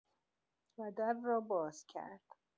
و در را باز کرد.